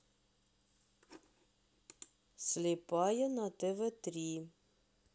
слепая на тв три